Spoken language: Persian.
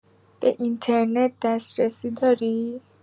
به اینترنت دسترسی داری؟